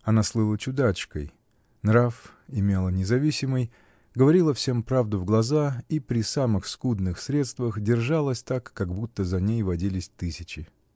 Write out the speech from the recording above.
Она слыла чудачкой, нрав имела независимый, говорила всем правду в глаза и при самых скудных средствах держалась так, как будто за ней водились тысячи.